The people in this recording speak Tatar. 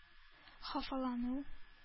Һавалану